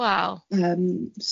Waw.